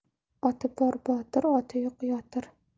oti bor botir oti yo'q yotir